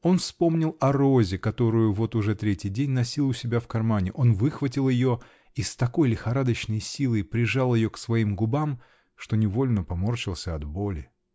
Он вспомнил о розе, которую вот уже третий день носил у себя в кармане: он выхватил ее и с такой лихорадочной силой прижал ее к своим губам, что невольно поморщился от боли.